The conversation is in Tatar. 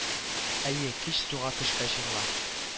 Әйе кич суга төшкәч урла